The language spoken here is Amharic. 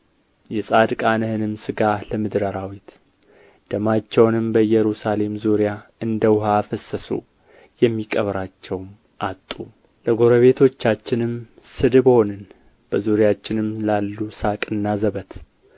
የጻድቃንህንም ሥራ ለምድር አራዊት ደማቸውንም በኢየሩሳሌም ዙሪያ እንደ ውኃ አፈሰሱ የሚቀብራቸውም አጡ ለጎረቤቶቻችንም ስድብ ሆንን በዙሪያችንም ላሉ ሣቅና ዘበት